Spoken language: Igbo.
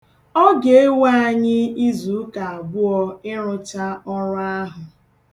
Ọ ga-ewe anyị izuụka abụọ ịrụcha ọrụ ahụ.